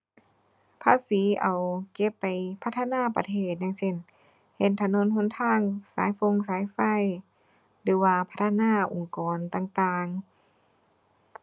ภาษีเอาเก็บไปพัฒนาประเทศ อย่างเช่น เฮ็ดถนนหนทาง สายฟงสายไฟ หรือว่าพัฒนาองค์กรต่างต่าง